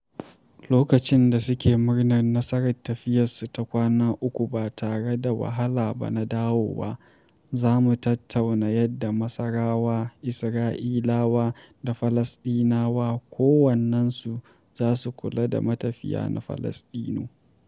Lokacin da suke murnar nasarar tafiyarsu ta kwana uku ba tare da wahala ba na dawowa, za mu tattauna yadda Masarawa, Isra’ilawa da Falasɗinawa kowanne su zasu kula da matafiya na Falasɗinu.